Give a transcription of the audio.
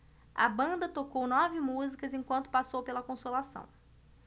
a banda tocou nove músicas enquanto passou pela consolação